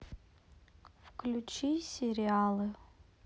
включи сериалы